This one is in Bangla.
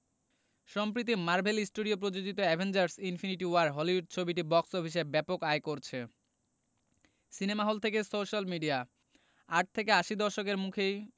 সম্প্রিতি মার্বেল স্টুডিয়ো প্রযোজিত অ্যাভেঞ্জার্স ইনফিনিটি ওয়ার হলিউড ছবিটি বক্স অফিসে ব্যাপক আয় করছে সিনেমা হল থেকে সোশ্যাল মিডিয়া আট থেকে আশি দশকের মুখেই